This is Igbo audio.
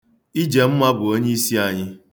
Ijemma bụ onyeisi anyị.